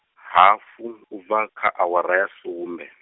hafu u bva kha awara ya sumbe.